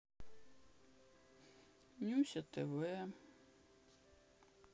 нюся тв